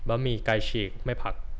บะหมี่ไก่ฉีกไม่ผัก